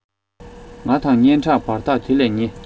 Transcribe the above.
ང དང སྙན གྲགས བར ཐག དེ ལས ཉེ